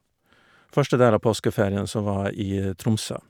Første del av påskeferien så var jeg i Tromsø.